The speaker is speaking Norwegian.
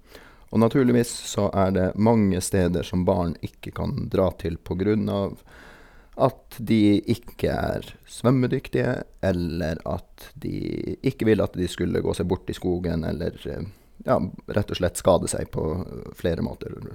Og naturligvis så er det mange steder som barn ikke kan dra til på grunn av at de ikke er svømmedyktige eller at de ikke ville at de skulle gå seg bort i skogen eller, ja, rett og slett skade seg på flere måter.